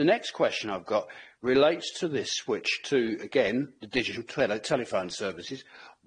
The next question I've got relates to this switch to, again, the digital tele- telephone services.